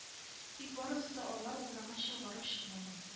Тик барысы да алар уйлаганча барып чыкмады